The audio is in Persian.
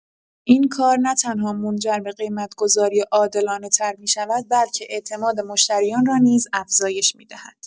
این کار نه‌تنها منجر به قیمت‌گذاری عادلانه‌تر می‌شود، بلکه اعتماد مشتریان را نیز افزایش می‌دهد.